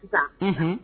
Unhun